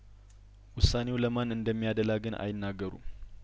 ውሳኔው ለማን እንደሚያደላ ግን አይናገሩም